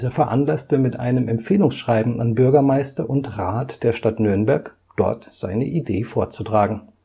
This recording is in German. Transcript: veranlasste mit einem Empfehlungsschreiben an Bürgermeister und Rat der Stadt Nürnberg, dort seine Idee vorzutragen